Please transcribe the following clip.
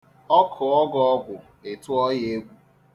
Ọ kọọ gị ọgwụ, Ị tụọ ya egwu.